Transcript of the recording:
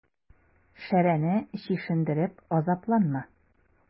Шәрәне чишендереп азапланма.